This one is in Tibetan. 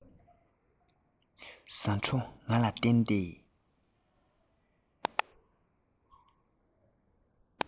ཟ འཕྲོ ང ལ བསྟན ཏེ